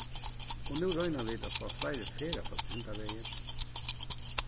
og nú royna vit at fáa fleiri ferðafólk hendan vegin